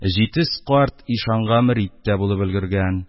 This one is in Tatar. Җитез карт, ишанга мөрит тә булып өлгергән.